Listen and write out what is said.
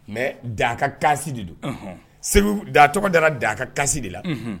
Mais Da ka kasi de don, unhun, Segu da tɔgɔ dara Da ka kasi de la, unhun